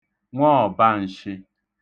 nwọọ̀ban̄shị̄